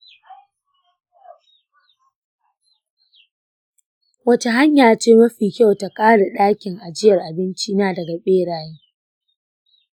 wace hanya ce mafi kyau ta kare ɗakin ajiyar abinci na daga beraye?